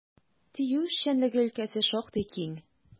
ТИҮ эшчәнлеге өлкәсе шактый киң.